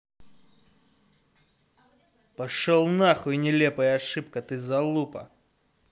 пошел нахуй нелепая ошибка ты залупа